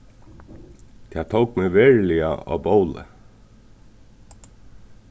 tað tók meg veruliga á bóli